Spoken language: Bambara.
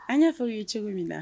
An y'a fɔw ye cogo min na